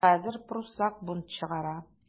Хәзер пруссак бунт чыгара.